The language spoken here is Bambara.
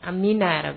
Amiina